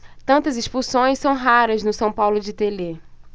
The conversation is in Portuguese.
tantas expulsões são raras no são paulo de telê